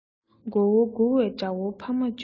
མགོ བོ བསྒུར བའི དགྲ བོ ཕམ མ བཅུག